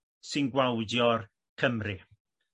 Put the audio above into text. sy'n gwawdio'r Cymry.